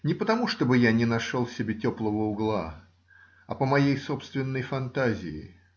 Не потому, чтобы я не нашел себе теплого угла, а по моей собственной фантазии.